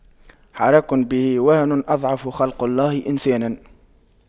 حراك به وهن أضعف خلق الله إنسانا